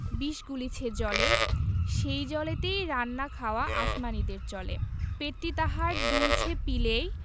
বিষ গুলিছে জলে সেই জলেতে রান্না খাওয়া আসমানীদের চলে পেটটি তাহার দুলছে পিলেয়